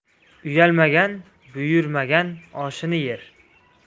uyalmagan buyurmagan oshni yer